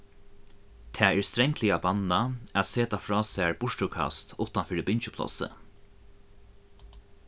tað er strangliga bannað at seta frá sær burturkast uttan fyri bingjuplássið